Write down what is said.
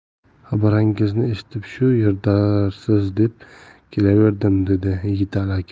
xabaringizni eshitib shu yerdadirsiz deb kelaverdim